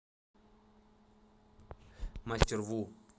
мастер ву